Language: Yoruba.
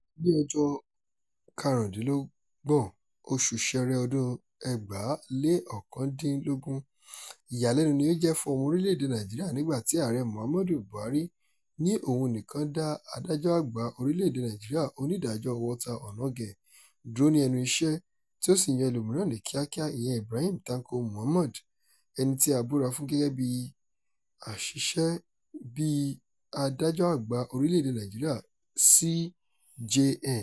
Ní ọjọ́ 25, oṣù Ṣẹrẹ ọdún-un 2019, ìyàlẹ́nu ni ó jẹ́ fún ọmọ orílẹ̀-èdè Nàìjíríà nígbà tí Ààrẹ Muhammad Buhari ní òun nìkan dá Adájọ́ Àgbà Orílẹ̀-èdè Nàìjíríà, Onídàájọ́ Walter Onnoghen dúró ní ẹnu iṣẹ́, tí ó sì yan ẹlòmíràn ní kíákíá, ìyẹn Ibrahim Tanko Muhammad ẹni tí a búra fún gẹ́gẹ́ bíi aṣiṣẹ́ bíi Adájọ́ Àgbà Orílẹ̀-èdè Nàìjíríà (CJN).